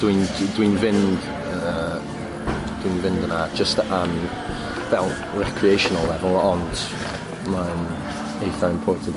dwi'n dwi dwi'n fynd yy dwi'n fynd yna jyst am fel recriational level ond ma'n eitha important